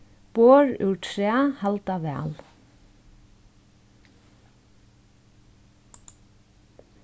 borð úr træ halda væl